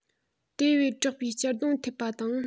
དེ བས དྲག པའི གཅར རྡུང ཐེབས པ དང